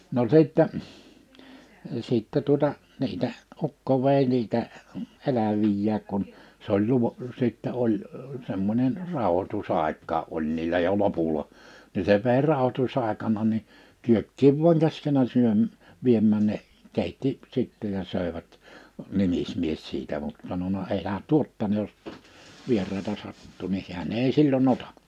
no sitten sitten tuota niitä ukko vei niitä eläviä kun se oli - sitten oli semmoinen rauhoitus aikaa oli niillä jo lopulla niin se vei rauhoitus aikana niin kyökkiin vain käskenyt - viemään ne keitti sitten ja söivät nimismies siitä mutta sanonut älä tuo tänne jos vieraita sattuu niin hän ei silloin ota